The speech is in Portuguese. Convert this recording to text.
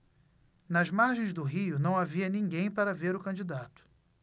nas margens do rio não havia ninguém para ver o candidato